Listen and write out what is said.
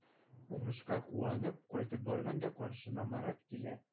Уңышка куанып кайтып барганда каршыма Марат килә.